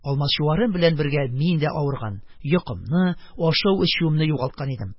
Алмачуарым белән бергә мин дә авырган - йокымны, ашау-эчүемне югалткан идем: